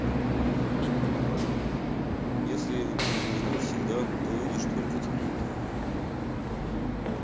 если уйти из мира навсегда то увидишь только темноту